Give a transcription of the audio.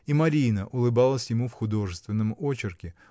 И Марина улыбалась ему в художественном очерке.